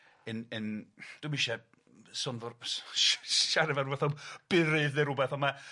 yn yn dwi'm isie siarad fel ryw fath o burydd ne'u rywbeth on' ma'